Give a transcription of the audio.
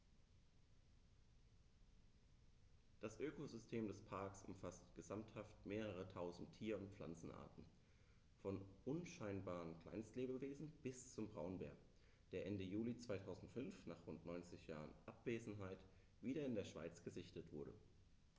Das Ökosystem des Parks umfasst gesamthaft mehrere tausend Tier- und Pflanzenarten, von unscheinbaren Kleinstlebewesen bis zum Braunbär, der Ende Juli 2005, nach rund 90 Jahren Abwesenheit, wieder in der Schweiz gesichtet wurde.